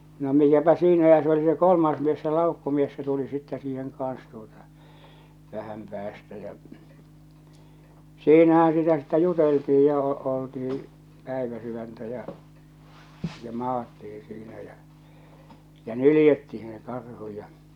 no mikäpä siinä ja se oli se kolmas mies se laukkumies se tuli sitten siihen kanssa tuota vähän päästä ja siinähän sitä sitten juteltiin ja - oltiin päiväsydäntä ja ja maattiin siinä ja ja nyljettiin se karhu ja